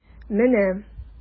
Менә...